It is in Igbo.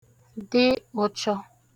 dị ụ̄chọ̄